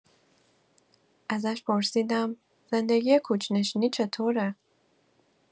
ازش پرسیدم «زندگی کوچ‌نشینی چطوره؟»